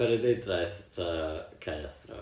Penrhyndeudraeth ta Caeathro?